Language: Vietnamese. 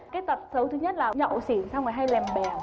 cái tật xấu thứ nhất là nhậu xỉn xong rồi hay lèm bèm